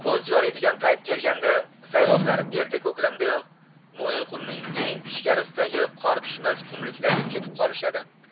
ko'z yoriydigan payt kelganda sayg'oqlar erta ko'klamdayoq mo'yinqumning eng ichkarisidagi qor tushmas qumliklarga ketib qolishadi